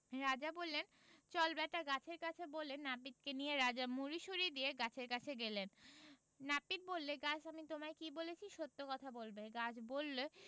রাজা বললেনচল ব্যাটা গাছের কাছে বলে নাপিতকে নিয়ে রাজা মুড়িসুড়ি দিয়ে গাছের কাছে গেলেন নাপিত বললে গাছ আমি তোমায় কী বলেছি সত্য কথা বলবে গাছ বললে